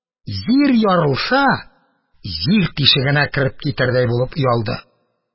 Җир ярылса, җир тишегенә кереп китәрдәй булып оялды.